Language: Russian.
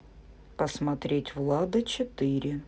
посмотреть влада четыре